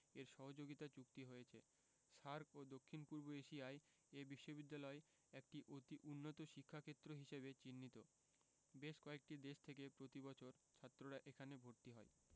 এর সহযোগিতা চুক্তি হয়েছে সার্ক ও দক্ষিণ পূর্ব এশিয়ায় এ বিশ্ববিদ্যালয় একটি অতি উন্নত শিক্ষাক্ষেত্র হিসেবে চিহ্নিত বেশ কয়েকটি দেশ থেকে প্রতি বছর ছাত্ররা এখানে ভর্তি হয়